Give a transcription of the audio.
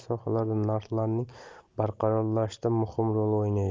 sohalarda narxlar barqarorlashishida muhim rol o'ynaydi